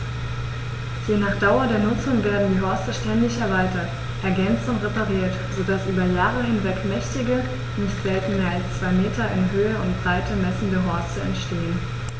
Je nach Dauer der Nutzung werden die Horste ständig erweitert, ergänzt und repariert, so dass über Jahre hinweg mächtige, nicht selten mehr als zwei Meter in Höhe und Breite messende Horste entstehen.